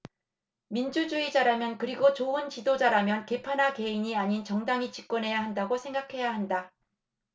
민주주의자라면 그리고 좋은 지도자라면 계파나 개인이 아닌 정당이 집권해야 한다고 생각해야 한다